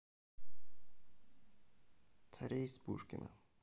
царей из пушкина